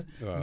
waaw